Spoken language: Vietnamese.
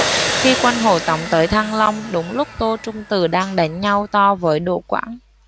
khi quân hộ tống tới thăng long đúng lúc tô trung từ đang đánh nhau to với đỗ quảng